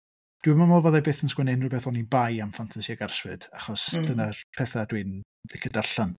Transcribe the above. Dwi'm yn meddwl fydda i byth yn sgwennu unrhyw beth oni bai am ffantasi ac arswyd achos... m-hm. ...dyna'r petha dwi'n licio darllen.